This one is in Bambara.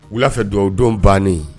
Wula'a fɛ dugawudon bannen